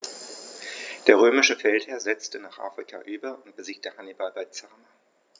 Der römische Feldherr setzte nach Afrika über und besiegte Hannibal bei Zama.